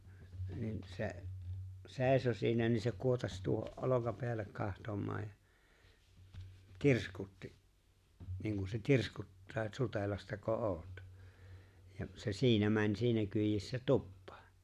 niin se seisoi siinä niin se kuotasi tuohon olkapäälle katsomaan ja tirskutti niin kuin se tirskuttaa että Sutelastako olet ja se siinä meni siinä kyydissä tupaan